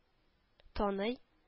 Таный